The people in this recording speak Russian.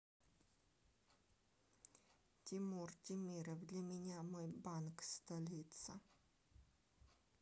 тимур темиров для меня мой банк столица